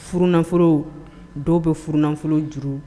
Ffolo dɔw bɛ ffolo juru